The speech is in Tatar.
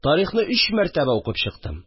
Тарихны өч мәртәбә укып чыктым